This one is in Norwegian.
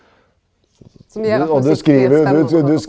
som gjer at musikken blir spennande å høyra på.